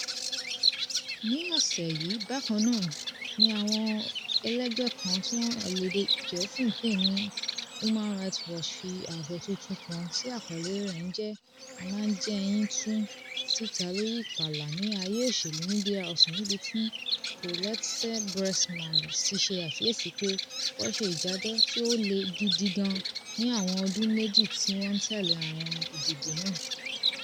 Ní ọ̀sẹ̀ yìí bákan náà Human Rights Watch fi àbọ̀ tuntun kan tí àkọ́lé rẹ̀ ń jẹ́ "A máa jẹ yín tun" síta, lórí ìpààlà ní àyè òṣèlú ní DRC níbi tí Collete Braeckman ti ṣe àkíyèsí pé "wọ́n ṣe ìdájọ́ tí ó le gidi gan ní àwọn ọdún méjì tí wọ́n tẹ̀lé àwọn ìdìbò náà".